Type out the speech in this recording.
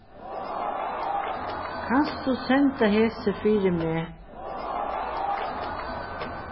kanst tú senda hesi fyri meg